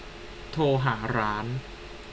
โทรหาร้าน